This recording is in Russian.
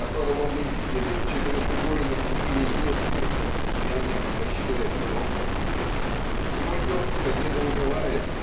которого мы видели в четырехугольном мире детской няня угощает водкой. Его тезка недоумевает